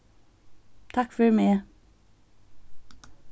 takk fyri meg